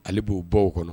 Ale b'o baw kɔnɔ